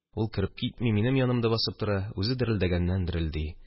Ул кереп китми, минем янымда басып тора, үзе дерелдәгәннән-дерелди